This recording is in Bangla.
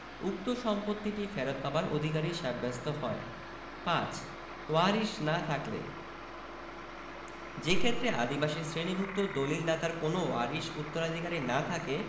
উক্ত সম্পত্তিটি ফেরত পাবার অধিকারী সাব্যস্ত হয় ৫ ওয়ারিশ না থাকলে যেক্ষেত্রে আদিবাসী শ্রেণীভুক্ত দলিদাতার কোনও ওয়ারিশ উত্তরাধিকারী না থাকে